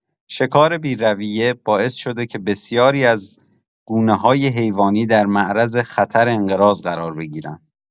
شکار بی‌رویه، باعث شده که بسیاری از گونه‌های حیوانی در معرض خطر انقراض قرار بگیرن.